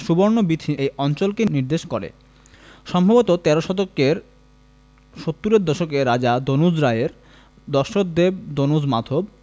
সুবর্ণবীথি এই অঞ্চলকেই নির্দেশ করে সম্ভবত তেরো শতকের সত্তুরের দশকে রাজা দনুজ রায়ের দশরথদেব দনুজমাধব